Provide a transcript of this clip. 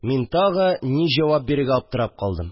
Мин тагы ни җавап бирергә аптырап калдым